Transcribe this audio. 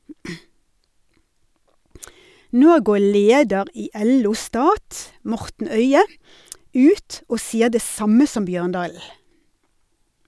Nå går leder i LO Stat , Morten Øye, ut og sier det samme som Bjørndalen.